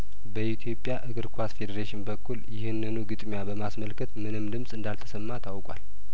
በኢትዮጵያ እግር ኳስ ፌዴሬሽን በኩል ይህንኑ ግጥሚያ በማስመልከት ምንም ድምጽ እንዳልተሰማ ታውቋል